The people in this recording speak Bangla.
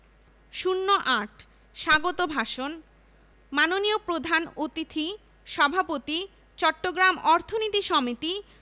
০৮ স্বাগত ভাষণ মাননীয় প্রধান অতিথি সভাপতি চট্টগ্রাম অর্থনীতি সমিতি